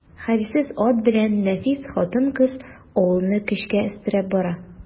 Хәлсез ат белән нәфис хатын-кыз авылны көчкә өстерәп бара.